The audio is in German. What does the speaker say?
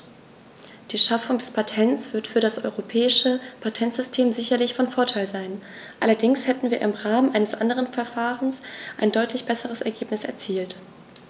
Die Schaffung des Patents wird für das europäische Patentsystem sicherlich von Vorteil sein, allerdings hätten wir im Rahmen eines anderen Verfahrens ein deutlich besseres Ergebnis erzielt.